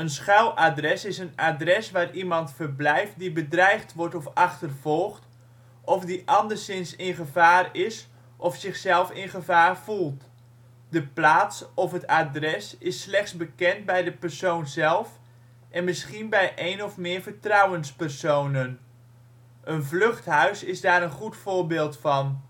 schuiladres is een adres waar iemand verblijft die bedreigd wordt of achtervolgd, of die anderszins in gevaar is of zichzelf in gevaar voelt. De plaats of het adres is slechts bekend bij de persoon zelf en misschien bij één of meer vertrouwenspersonen. Een vluchthuis is daar een goed voorbeeld van